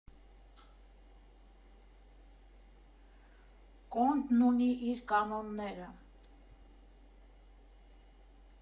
Կոնդն ունի իր կանոնները։